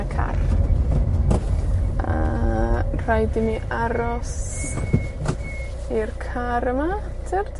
y car. Yy, rhaid i mi aros i'r car yma. Tyrd.